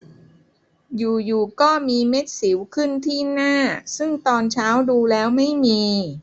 อยู่อยู่ก็มีเม็ดสิวขึ้นที่หน้าซึ่งตอนเช้าดูแล้วไม่มี